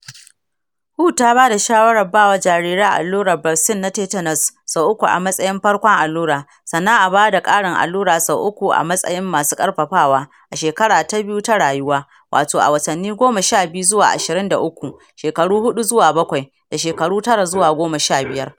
who ta ba da shawarar ba wa jarirai allurar vaccine na tetanus sau uku a matsayin farkon allura, sannan a ba da ƙarin allura sau uku a matsayin masu ƙarfafawa a shekara ta biyu ta rayuwa, wato a watanni goma sha biyu zuwa ashirin da uku, shekaru huɗu zuwa bakwai, da shekaru tara zuwa goma sha biyar.